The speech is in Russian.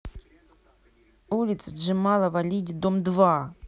улица джамала волиди дом два